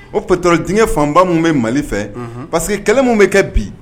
O pétrole dingɛ fanba minnu bɛ Mali fɛunhun, parce que kɛlɛ min bɛ kɛ bi